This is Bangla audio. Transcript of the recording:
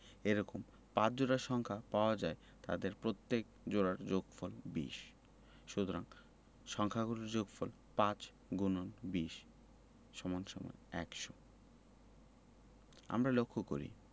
এরকম ৫ জোড়া সংখ্যা পাওয়া যায় যাদের প্রত্যেক জোড়ার যোগফল ২০ সুতরাং সংখ্যা গুলোর যোগফল ৫*২০=১০০ আমরা লক্ষ করি